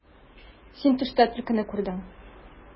Син төштә төлкене күрдең.